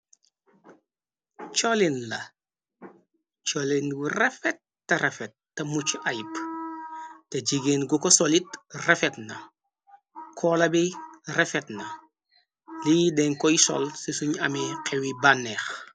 Soolin la solin gu refett refet te mucc ayp te jigéen gu ko solid refet na koola bi refet na lii denkoy sol ci suñ ame xewi banneex.